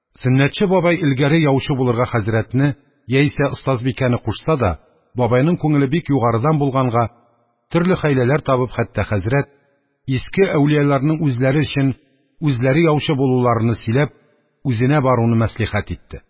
Сөннәтче бабай элгәре яучы булырга хәзрәтне яисә остазбикәне кушса да, бабайның күңеле бик югарыдан булганга, төрле хәйләләр табып, хәтта хәзрәт, иске әүлияларның үзләре өчен үзләре яучы булуларыны сөйләп, үзенә баруны мәслихәт итте.